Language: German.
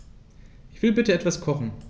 Ich will bitte etwas kochen.